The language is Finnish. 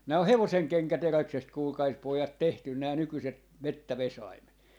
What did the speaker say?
nämä on hevosenkenkäteräksestä kuulkaa pojat tehty nämä nykyiset metsävesaimet